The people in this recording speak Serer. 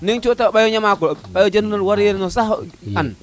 ne cota o ɓayo ñamaka le o ɓayo janono le sax ware ran saxo an